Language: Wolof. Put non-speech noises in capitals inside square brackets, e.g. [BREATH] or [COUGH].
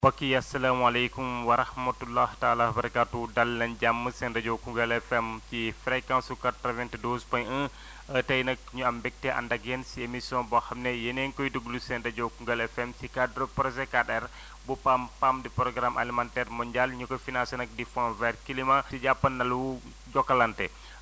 mbokki yi asalaamaaleykum wa rahmatulah taalaa wa barakaathu dal leen ak jàmm seen rajo Koungheul FM ci fréquence su 92.1 [BREATH] tey nag ñu am mbégte ànd ak yéen si émission boo xam ne yéen a ngi koy déglu si seen rajo Lougheul FM ci cadre projet 4R bu PAM PAM di programme alimentaire mondiale ñu ko financé nag di Fond vert climat si jàppandalu Jokalante